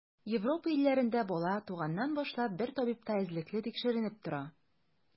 Европа илләрендә бала, туганнан башлап, бер табибта эзлекле тикшеренеп тора.